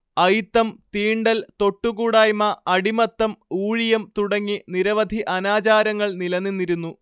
അയിത്തം തീണ്ടൽ തൊട്ടുകൂടായ്മ അടിമത്തം ഊഴിയം തുടങ്ങി നിരവധി അനാചാരങ്ങൾ നിലനിന്നിരുന്നു